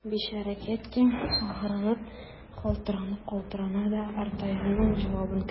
Бичара Кэтти, агарынып, калтырана-калтырана, д’Артаньянның җавабын көтте.